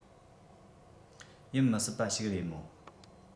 ཡིན མི སྲིད པ ཞིག རེད མོ